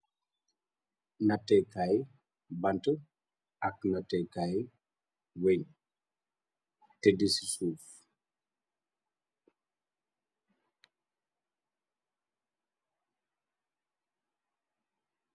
Nateekaay banta ak nateekaay weñ ,té di ci suuf.